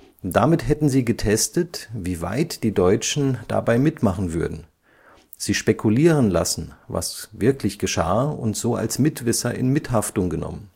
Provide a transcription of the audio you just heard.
Damit hätten sie getestet, wie weit die Deutschen dabei mitmachen würden, sie spekulieren lassen, was wirklich geschah und so als Mitwisser in Mithaftung genommen